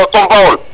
o Sow Baol